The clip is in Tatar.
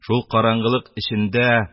Шул караңгылык эчендә